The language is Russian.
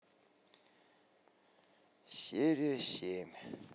серия семь